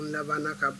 Na banna ka